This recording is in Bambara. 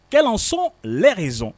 Quels en sont les raisons ?